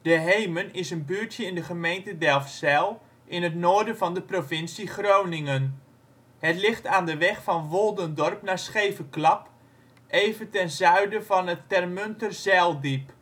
Heemen is een buurtje in de gemeente Delfzijl in het noorden van de provincie Groningen. Het ligt aan de weg van Woldendorp naar Scheveklap, even ten zuiden van het Termunter zijldiep